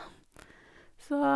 Så...